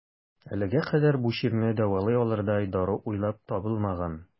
Әлегә кадәр бу чирне дәвалый алырдай дару уйлап табылмаган.